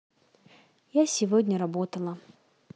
я сегодня работала